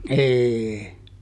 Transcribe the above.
ei